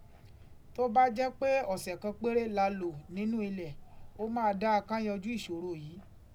Tó bá jẹ́ pé ọ̀sẹ̀ kan péré la lò nínú ilẹ̀, ó máa dáa ká yanjú ìṣòro yìí.